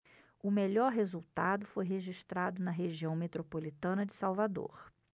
o melhor resultado foi registrado na região metropolitana de salvador